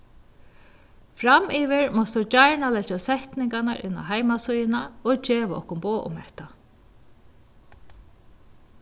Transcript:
framyvir mást tú gjarna leggja setningarnar inn á heimasíðuna og geva okkum boð um hetta